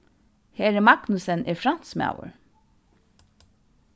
heri magnussen er fransmaður